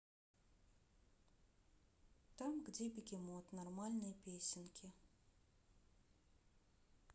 там где бегемот нормальные песенки